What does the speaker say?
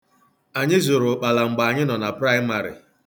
Anyị zụrụ ụkpala mgbe anyị nọ na praịmarị.